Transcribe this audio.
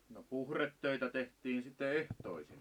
no puhdetöitä tehtiin sitten ehtoisin